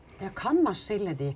ja kan man skille de?